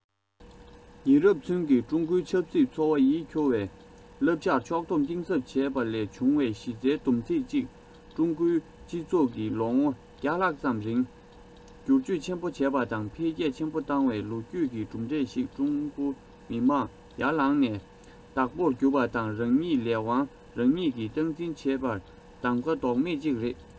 ཉེ རབས ཚུན གྱི ཀྲུང གོའི ཆབ སྲིད འཚོ བའི ཡིད སྐྱོ བའི བསླབ བྱར ཕྱོགས སྡོམ གཏིང ཟབ བྱས པ ལས བྱུང བའི གཞི རྩའི བསྡོམས ཚིག ཅིག ཀྲུང གོའི སྤྱི ཚོགས ཀྱིས ལོ ངོ ལྷག ཙམ རིང སྒྱུར བཅོས ཆེན པོ བྱས པ དང འཕེལ རྒྱས ཆེན པོ བཏང བའི ལོ རྒྱུས ཀྱི གྲུབ འབྲས ཤིག ཀྲུང གོ མི དམངས ཡར ལངས ནས བདག པོར གྱུར པ དང རང ཉིད ཀྱི ལས དབང རང ཉིད ཀྱིས སྟངས འཛིན བྱས པའི གདམ ག ལྡོག མེད ཅིག རེད